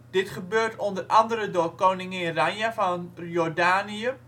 Dit gebeurt onder andere door: Koningin Rania van Jordanië